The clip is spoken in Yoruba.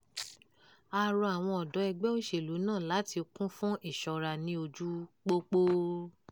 A rọ àwọn ọ̀dọ́ ẹgbẹ́ òṣèlú náà láti kún fún ìṣọ́ra ní ojúu pópó.